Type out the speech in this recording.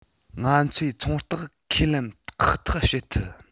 ང ཚོའི ཚོང རྟགས ཁས ལེན ཁག ཐེག བྱེད ཐུབ